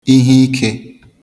iheikē